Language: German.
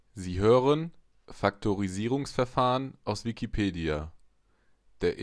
Sie hören den Artikel Faktorisierungsverfahren, aus Wikipedia, der